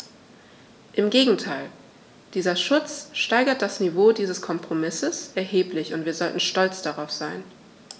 Im Gegenteil: Dieser Schutz steigert das Niveau dieses Kompromisses erheblich, und wir sollten stolz darauf sein.